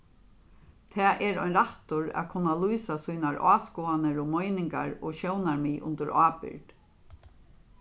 tað er ein rættur at kunna lýsa sínar áskoðanir og meiningar og sjónarmið undir ábyrgd